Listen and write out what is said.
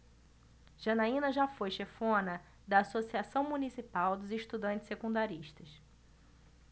janaina foi chefona da ames associação municipal dos estudantes secundaristas